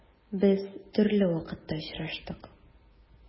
Без төрле вакытта очраштык.